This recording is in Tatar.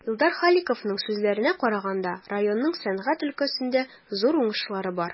Илдар Халиковның сүзләренә караганда, районның сәнәгать өлкәсендә зур уңышлары бар.